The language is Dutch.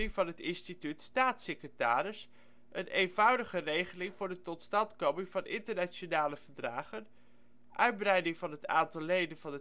van het instituut staatssecretaris; een eenvoudige (r) regeling voor de totstandkoming van internationale verdragen; uitbreiding van het aantal leden van